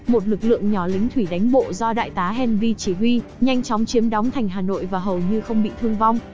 một lực lượng nhỏ lính thủy đánh bộ do đại tá henri chỉ huy nhanh chóng chiếm đóng thành hà nội và hầu như không bị thương vong